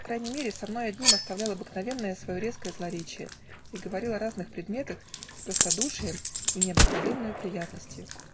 по крайней мере со мной одним оставлял обыкновенное свое резкое злоречие и говорил о разных предметах с простодушием и необыкновенною приятностию.